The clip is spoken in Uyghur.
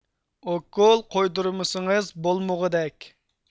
ئوكۇل قويدۇرمىسىڭىز بولمىغۇدەك